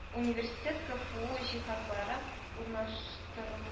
Университет КФУ җиһазлары урнаштырыл